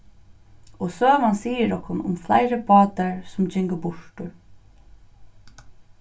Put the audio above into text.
og søgan sigur okkum um fleiri bátar sum gingu burtur